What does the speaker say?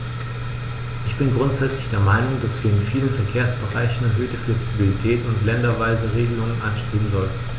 Ich bin grundsätzlich der Meinung, dass wir in vielen Verkehrsbereichen erhöhte Flexibilität und länderweise Regelungen anstreben sollten.